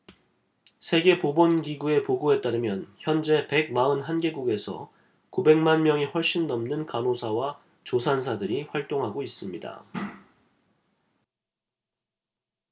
세계 보건 기구의 보고에 따르면 현재 백 마흔 한 개국에서 구백 만 명이 훨씬 넘는 간호사와 조산사들이 활동하고 있습니다